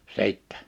sitten